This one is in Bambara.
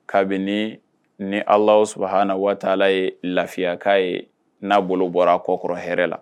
Kabini ni ala saba h na waati ala ye lafiyakan ye n'a bolo bɔra kɔ kɔrɔ hɛrɛ la